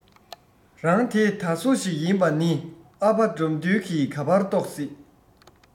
རང དེ དར སོ ཞིག ཡིན པ ནི ཨ ཕ དགྲ འདུལ གི ག པར རྟོག སྲིད